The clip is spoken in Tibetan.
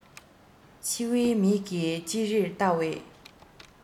འཆི བའི མིག གིས ཅེ རེར བལྟ བའི